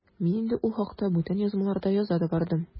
Мин инде ул хакта бүтән язмаларда яза да бардым.